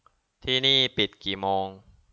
ที่นี่ปิดกี่โมง